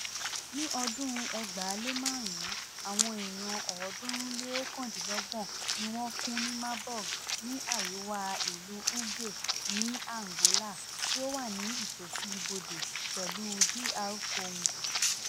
Ní ọdún 2005 àwọn èèyàn 329 ni wọ́n kú ní Maburg ní àríwá ìlú Uige ní Angola, tí ó wà ní ìtòsí ibodè pẹ̀lú DR Congo.